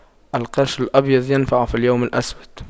القرش الأبيض ينفع في اليوم الأسود